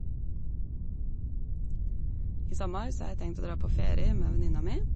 I sommer så har jeg tenkt å dra på ferie med venninna mi.